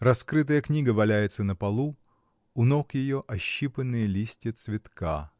Раскрытая книга валяется на полу, у ног ее ощипанные листья цветка.